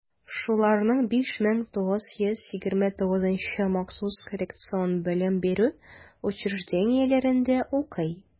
Шуларның 5929-ы махсус коррекцион белем бирү учреждениеләрендә укый.